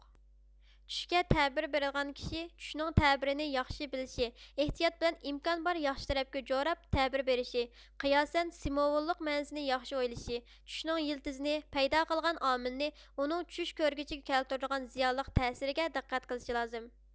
چۈشكە تەبىر بېرىدىغان كىشى چۈشنىڭ تەبىرىنى ياخشى بىلىشى ئىھتىيات بىلەن ئىمكان بار ياخشى تەرەپكە جوراپ تەبىر بېرىشى قىياسەن سېموۋوللۇق مەنىسىنى ياخشى ئويلىشى چۈشنىڭ يىلتىزىنى پەيدا قىلغان ئامىلنى ئۇنىڭ چۈش كۆرگۈچىگە كەلتۈرىدىغان زىيانلىق تەسىرىگە دىققەت قىلىشى لازىم